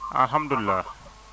alhamdulilah